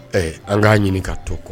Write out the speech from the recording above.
Ɛɛ an k'a ɲini ka to kun